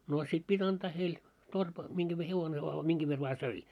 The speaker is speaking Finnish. no sitten piti antaa heille - minkä - hevonen vain minkä verran vain söi